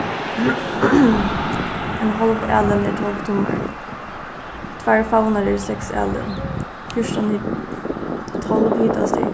ein hálv alin er tólv tummar tveir favnar eru seks alin fjúrtan tólv hitastig